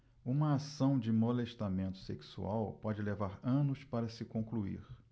uma ação de molestamento sexual pode levar anos para se concluir